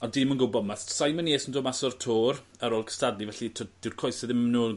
a di 'im yn gwbo ma' Simon Yates yn dod mas o'r Tour ar ôl cystadlu fell t'wod dyw'r coese ddim yn ôl